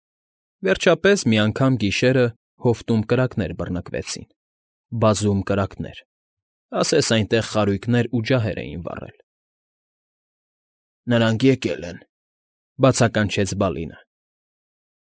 Հանկարծ մի անգամ գիշերը հովտում կրակներ բռնկվեցին, բազում կրակներ, ասես այնտեղ խարույկներ ու ջահեր էին վառել։ ֊ Նրանք եկել են,֊ բացականչեց Բալինը։֊